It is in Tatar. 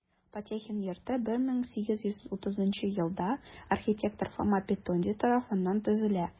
Потехин йорты 1830 елда архитектор Фома Петонди тарафыннан төзелә.